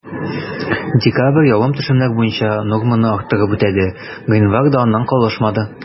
Декабрь явым-төшемнәр буенча норманы арттырып үтәде, гыйнвар да аннан калышмады.